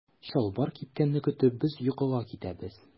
Чалбар кипкәнне көтеп без йокыга китәбез.